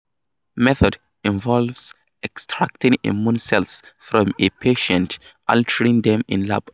Method involves extracting immune cells from a patient, altering them in lab